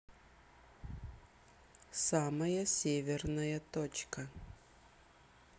самая северная точка